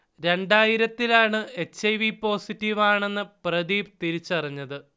രണ്ടായിരത്തിലാണ് H. I. V positive ആണെന്ന് പ്രദീപ് തിരിച്ചറിഞ്ഞത്